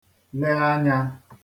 le anya